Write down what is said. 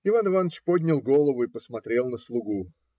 Иван Иваныч поднял голову и посмотрел на слугу.